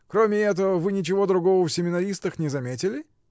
Кроме этого, вы ничего другого в семинаристах не заметили?